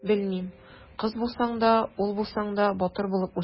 Белмим: кыз булсаң да, ул булсаң да, батыр булып үс!